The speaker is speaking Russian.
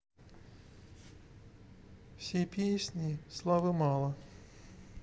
все песни славы мало